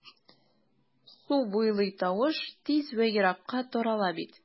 Су буйлый тавыш тиз вә еракка тарала бит...